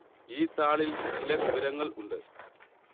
ഈ താളിൽ ചില വിവരങ്ങൾ ഉണ്ട്